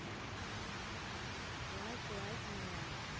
лайк лайк на лайк